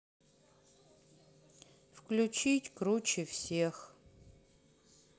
включить круче всех